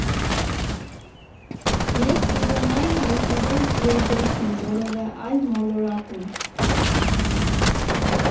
Ես կուզենայի հայտնվել տիեզերքում՝ որևէ այլ մոլորակում։